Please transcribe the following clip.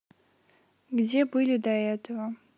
где были до этого